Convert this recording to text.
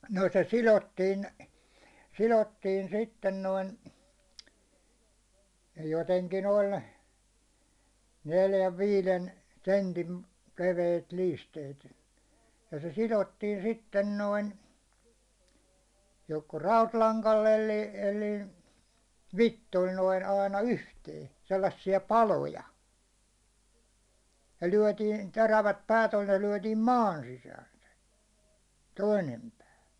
no se sidottiin sidottiin sitten noin jotenkin oli neljän viiden sentin leveitä liisteitä ja se sidottiin sitten noin joko rautalangalla eli eli vitsoilla noin aina yhteen sellaisia paloja ja lyötiin terävät päät oli ne lyötiin maan sisään se toinen pää